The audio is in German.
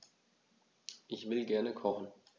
Ich will gerne kochen.